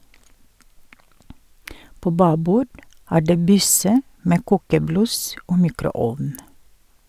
På babord er det bysse med kokebluss og mikroovn.